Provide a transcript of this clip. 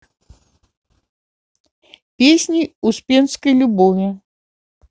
песни успенской любови